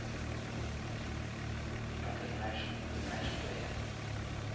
а ты знаешь знаешь кто я